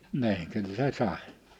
niin kyllä se sai